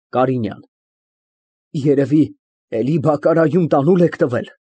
ԿԱՐԻՆՅԱՆ ֊ Երևի, էլի բակարայում տանուլ եք տվել։